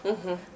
projet